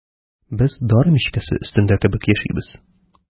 Без дары мичкәсе өстендә кебек яшибез.